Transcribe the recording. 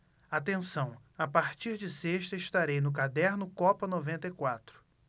atenção a partir de sexta estarei no caderno copa noventa e quatro